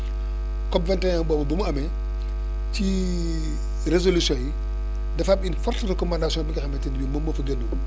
COP 21 boobu bi mu amee ci résolution yi dafa am une forte recommandation bvi nga xamante ni bi moom moo fa génnoon